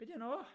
Be 'di enw fo?